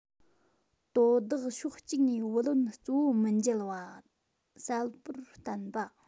དོ བདག ཕྱོགས གཅིག ནས བུ ལོན གཙོ བོ མི འཇལ བ གསལ པོར བསྟན པ